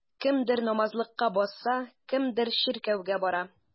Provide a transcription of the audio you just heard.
Кемдер намазлыкка басса, кемдер чиркәүгә бара.